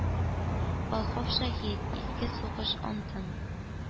Волхов шаһит: изге сугыш антын